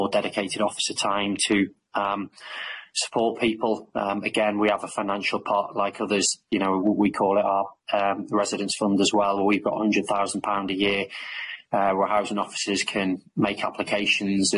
more dedicated officer time to um support people um again we have a financial part like others you know we call it our um residence fund as well where we've got hundred thousand pound a year uh where housing officers can make applications